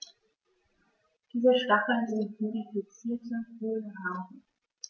Diese Stacheln sind modifizierte, hohle Haare.